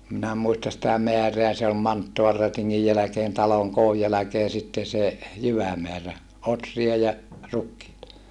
en minä muista sitä määrää se oli manttaalirätingin jälkeen talon koon jälkeen sitten se jyvämäärä ohria ja rukiita